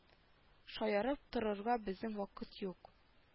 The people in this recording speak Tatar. Шаярып торырга безнең вакыт юк